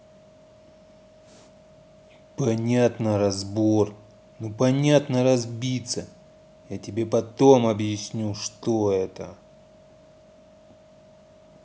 понятно разбор ну понятно разбиться я потом тебе объясню что это